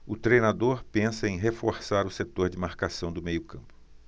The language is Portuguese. o treinador pensa em reforçar o setor de marcação do meio campo